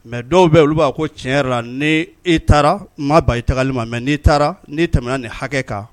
Mais dɔw bɛ ye olu b'a f ko tiɲɛ yɛrɛ la nii i taara ma ban i tagali ma mais n'i taara n'i tɛmɛna nin hakɛ kan